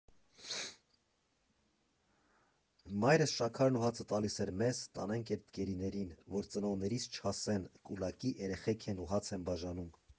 Մայրս շաքարն ու հացը տալիս էր մեզ՝ տանենք էդ գերիներին, որ ծնողներիս չասեն՝ կուլակի երեխեք են ու հաց են բաժանում…